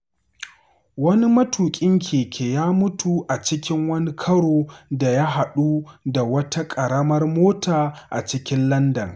Wani matuƙin keke ya mutu a cikin wani karo da ya haɗa da wata ƙaramar mota a cikin Landan.